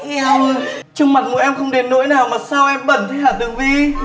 eo ôi trông mặt mũi em không đến nỗi nào mà sao em bẩn thế hả tường vy